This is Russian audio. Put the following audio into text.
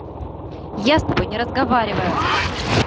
я с тобой не разговариваю